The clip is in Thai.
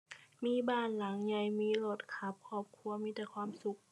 มีบ้านหลังใหญ่ มีรถขับ ครอบครัวมีแต่ความสุข